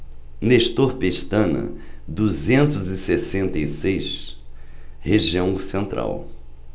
nestor pestana duzentos e sessenta e seis região central